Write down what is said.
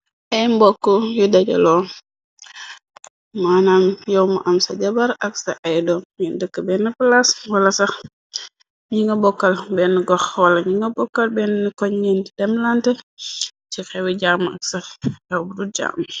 Ay mbokk yu dajaloo manam yoowmu am sa jabar ak sa ay do ni dëkk benn palaas. Wala sax ñi nga bokkal benn gox. Wala ñi nga bokkal benn koñenti dem lante ci xewi jàmm ak sa a budu jàam.